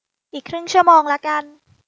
อีกครึ่งชั่วโมงละกัน